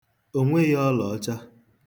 O nweghị ọlọọcha.